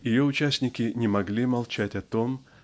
ее участники не могли молчать о том